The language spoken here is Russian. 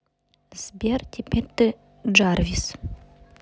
сбер теперь ты джарвис